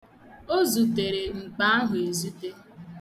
O zutere mkpa ahụ ezute.